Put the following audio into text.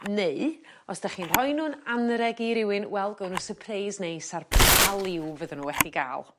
neu os 'dach chi'n rhoi nw'n anreg i rywun wel gown n'w sypreis neis ar pa liw fydden n'w wedi ga'l.